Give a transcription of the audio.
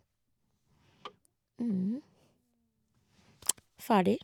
Ferdig.